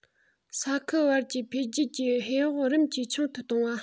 ས ཁུལ བར གྱི འཕེལ རྒྱས ཀྱི ཧེ བག རིམ གྱིས ཆུང དུ གཏོང བ